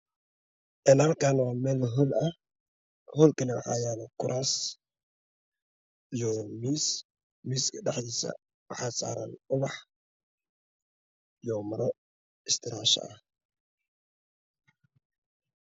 Halkaan waa meel hool ah hoolkana waxaa yaalokuraas iyo miis miiska dhexdiisa waxa saaran ubax iyo maro istiraasha ah